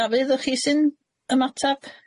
Dafydd o' chi sy'n ymatab?